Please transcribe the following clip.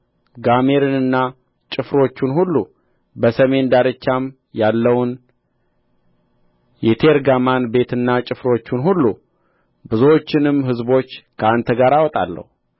ጋሜርንና ጭፍሮቹን ሁሉ በሰሜን ዳርቻም ያለውን የቴርጋማን ቤትና ጭፍሮቹን ሁሉ ብዙዎችንም ሕዝቦች ከአንተ ጋር አወጣለሁ